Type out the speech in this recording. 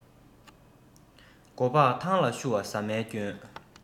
མགོ སྤགས ཐང ལ བཤུ བ ཟ མའི སྐྱོན